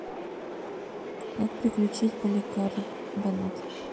как приключить поликарбонат